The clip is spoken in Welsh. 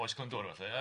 Oes Glendwr falle ia?